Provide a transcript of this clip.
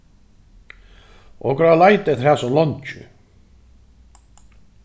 okur hava leitað eftir hasum leingi